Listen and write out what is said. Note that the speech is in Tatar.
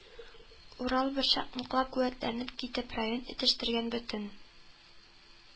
Урал, берчак ныклап куәтләнеп китеп, район итештергән бөтен